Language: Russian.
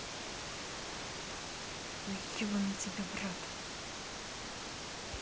ну ебаный тебе брат